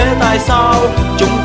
tại sao chúng